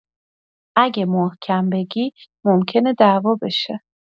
اگه محکم بگی، ممکنه دعوا بشه.